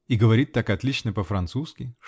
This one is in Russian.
"И говорит так отлично по-французски.